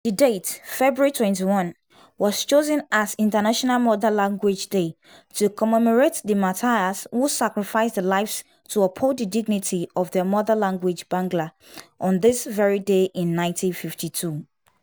The date, February 21, was chosen as International Mother Language Day to commemorate the martyrs who sacrificed their lives to uphold the dignity of their Mother Language Bangla, on this very day in 1952.